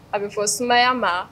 A bɛ fɔ sumaya ma